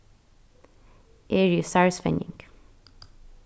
eg eri í starvsvenjing